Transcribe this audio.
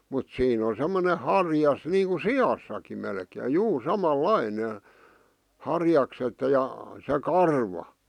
mutta siinä on semmoinen harjas niin kuin siassakin melkein juu samanlainen harjakset ja se karva